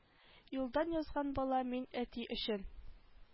Юлдан язган бала мин әти өчен